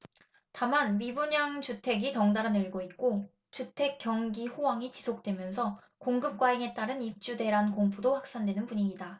다만 미분양 주택이 덩달아 늘고 있고 주택경기 호황이 지속되면서 공급과잉에 따른 입주대란 공포도 확산되는 분위기다